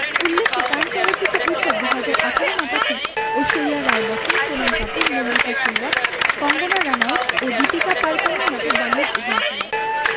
উল্লেখ্য কান চলচ্চিত্র উৎসব ২০১৮ মাতাচ্ছেন ঐশ্বরিয়া রাই বচ্চন সোনম কাপুর মল্লিকা শেরওয়াত কঙ্গনা রানাউত ও দীপিকা পাড়কোনের মতো বলিউড অভিনেত্রীরা